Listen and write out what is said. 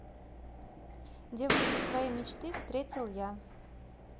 девушку своей мечты встретил я